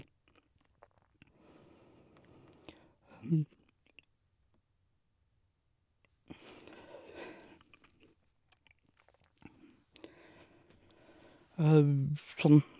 Sånn...